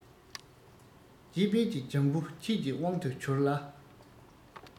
དཔྱིད དཔལ གྱི ལྗང བུ ཁྱེད ཀྱི དབང དུ གྱུར ལ